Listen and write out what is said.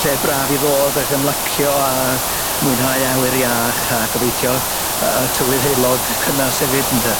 Lle braf i ddod ag ymlacio a mwynhau awyr iach a gobeithio yy tywydd heulog cynas efyd ynde?